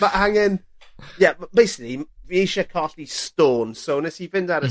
...ma' angen, ie ma' basically fi eisie colli stôn so nes i fynd ar y...